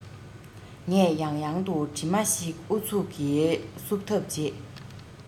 ངས ཡང ཡང དུ གྲིབ མ ཞིག ཨུ ཚུགས ཀྱིས བསུབ ཐབས བྱེད